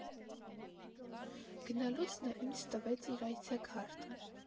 Գնալուց նա ինձ տվեց իր այցեքարտը։